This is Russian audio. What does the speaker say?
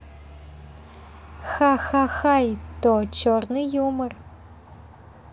ха ха хай то черный юмор